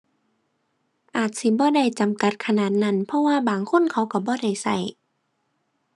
อาจสิบ่ได้จำกัดขนาดนั้น เพราะว่าบางคนเขาก็บ่ได้ก็